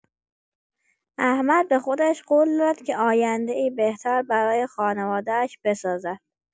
احمد به خودش قول داد که آینده‌ای بهتر برای خانواده‌اش بسازد.